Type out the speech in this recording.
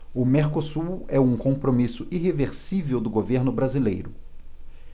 o mercosul é um compromisso irreversível do governo brasileiro